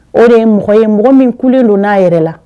O de ye mɔgɔ ye mɔgɔ min kulen don n'a yɛrɛ la